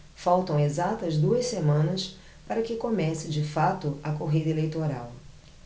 faltam exatas duas semanas para que comece de fato a corrida eleitoral